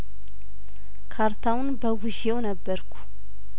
ካርታውን በውዤው ነበርኩ